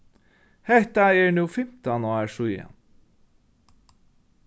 hetta er nú fimtan ár síðani